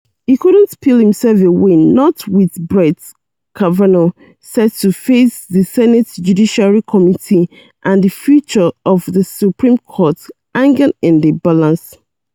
He couldn't peel himself away, not with Brett Kavanaugh set to face the Senate Judiciary Committee and the future of the Supreme Court hanging in the balance.